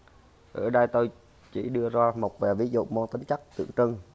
ở đây tôi chỉ đưa ra một vài ví dụ mang tính chất tượng trưng